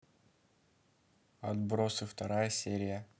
отбросы вторая серия